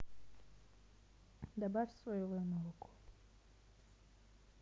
добавь соевое молоко